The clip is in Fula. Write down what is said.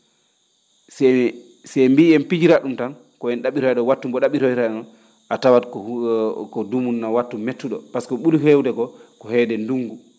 si en mbiyi en pijirat ?um tan ko en ?a?iroyat ?o wattu mbo ?a?iroyren oo a tawat ko ko dumunna wattu mettu?o pasque ko ?uri heewde ko ko heede ndunngu